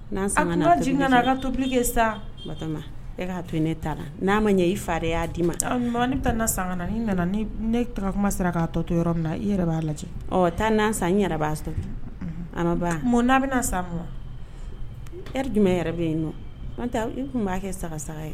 Ka tobili sa e'a to ne taara n'a ma ɲɛ i fa y'a d'i ma sa nana ne kuma sera k'a tɔ to yɔrɔ min na i yɛrɛ b'a lajɛ taa n nan san n yɛrɛ' sɔrɔ a ma' bɛna sa e jum yɛrɛ bɛ yen i tun b'a kɛ saga saga ye